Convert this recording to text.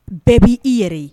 Bɛɛ b'i i yɛrɛ ye